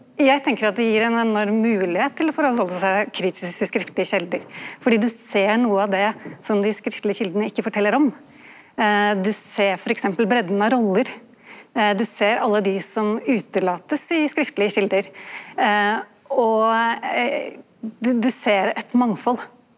eg tenker at det gir ein enorm moglegheit til å forhalde seg kritisk til skriftlege kjelder fordi du ser noko av det som dei skriftlege kjeldene ikkje fortel om, du ser f.eks. breidda av roller, du ser alle dei som utelatast i skriftlege kjelder og du du ser eit mangfald.